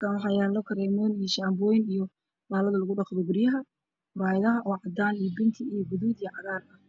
Halkaan waxaa yaalo kareemooyinka iyo shaambooyinka iyo bahalaha lugu dhaqdo guryaha waa cadaan iyo gaduud, bingi iyo cagaar.